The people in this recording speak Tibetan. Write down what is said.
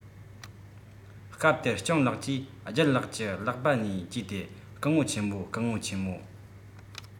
སྐབས དེར སྤྱང ལགས ཀྱིས ལྗད ལགས ཀྱི ལག པ ནས འཇུས ཏེ སྐུ ངོ ཆེན མོ སྐུ ངོ ཆེན མོ